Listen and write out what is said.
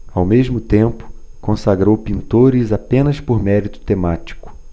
ao mesmo tempo consagrou pintores apenas por mérito temático